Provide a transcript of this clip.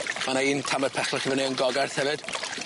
Ma' 'na un tamed pechlach i fyny yn Gogarth hefyd.